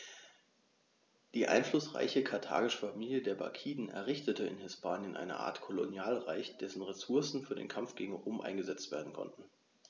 Die einflussreiche karthagische Familie der Barkiden errichtete in Hispanien eine Art Kolonialreich, dessen Ressourcen für den Kampf gegen Rom eingesetzt werden konnten.